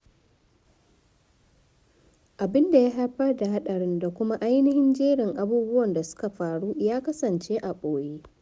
Abin da ya haifar da hadarin da kuma ainihin jerin abubuwan da suka faru ya kasance a boye.